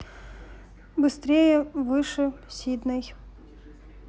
быстрее выше сидней